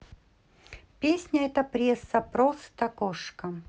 песня эта пресса просто кошка